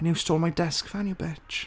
And you stole my desk fan, you bitch.